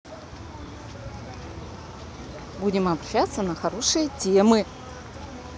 будем общаться на хорошие темы